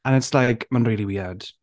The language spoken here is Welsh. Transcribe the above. And it's like, mae'n rili weird.